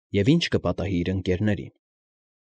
Եվ ի՞նչ կպատահի իր ընկերներին։